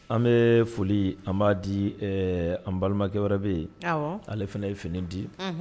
An bɛ foli an b'a di an balimakɛ wɛrɛ bɛ yen ale fana ye fini di